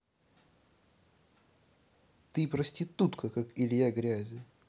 ты проститутка как илья грязи